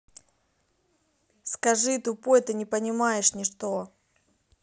скажи тупой ты не понимаешь ничто